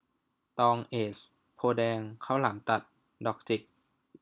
ตองเอซโพธิ์แดงข้าวหลามตัดดอกจิก